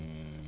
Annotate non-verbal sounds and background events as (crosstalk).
(hesitation) (hesitation)